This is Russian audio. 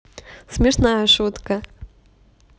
смешная шутка